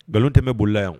Nkalon tɛ bɛ bolola yan